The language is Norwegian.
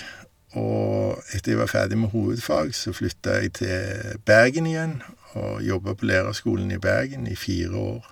Og etter jeg var ferdig med hovedfag, så flytta jeg til Bergen igjen og jobba på Lærerskolen i Bergen i fire år.